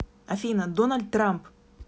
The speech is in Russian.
афина дональд трамп